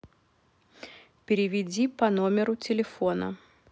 переведи по номеру телефона